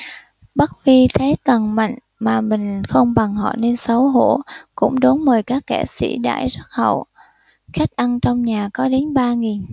bất vi thấy tần mạnh mà mình không bằng họ nên xấu hổ cũng đón mời các kẻ sĩ đãi rất hậu khách ăn trong nhà có đến ba nghìn